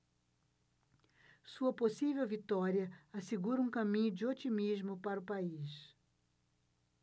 sua possível vitória assegura um caminho de otimismo para o país